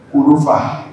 Kulu fa